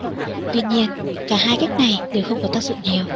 tuy nhiên cả hai cách này đều không có tác dụng nhiều